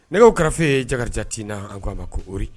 Nɛgɛw karafe Jakarija Tina, an ma ko a ma Ori